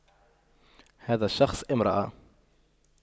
هذا الشخص امرأة